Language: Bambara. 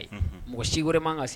Mɔgɔ si wɛrɛ man ka